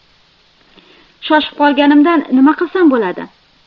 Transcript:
shoshib qolganimdan nima qilsam bo'ladi